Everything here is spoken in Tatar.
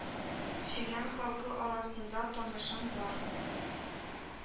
Чегән халкы арасында танышым бар